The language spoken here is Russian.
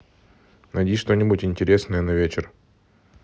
найди что нибудь интересное на вечер